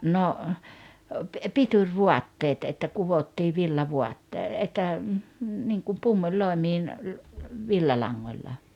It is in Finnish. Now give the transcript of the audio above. no pitovaatteet että kudottiin villavaatteet että niin kuin pumpuliloimiin villalangalla